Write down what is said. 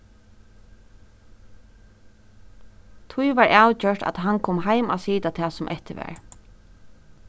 tí varð avgjørt at hann kom heim at sita tað sum eftir var